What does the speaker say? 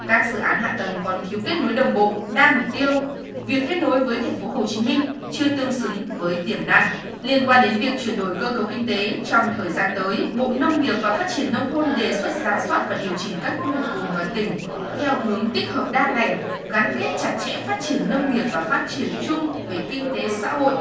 các dự án hạ tầng còn thiếu kết nối đồng bộ đa mục tiêu việc kết nối với thành phố hồ chí minh chưa tương xứng với tiềm năng liên quan đến việc chuyển đổi cơ cấu kinh tế trong thời gian tới bộ nông nghiệp và phát triển nông thôn đề xuất rà soát và điều chỉnh các quy hoạch vùng và tỉnh theo hướng tích hợp đa ngành gắn kết chặt chẽ phát triển nông nghiệp và phát triển chung về kinh tế xã hội